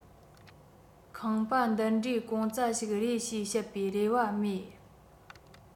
ཁང བ འདི འདྲའི གོང རྩ ཞིག རེད ཞེས བཤད པའི རེ བ མེད